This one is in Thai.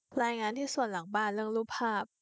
รายงานที่สวนหลังบ้านเรื่องรูปภาพ